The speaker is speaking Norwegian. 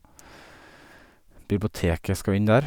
Biblioteket skal inn der.